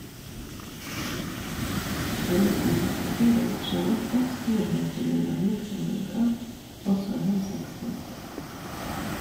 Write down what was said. I 1964 gikk Charlotte, storhertuginne av Luxembourg, av, også hun 68.